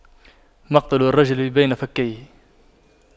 مقتل الرجل بين فكيه